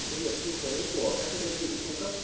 cái việc thu thuế của các đơn vị cung cấp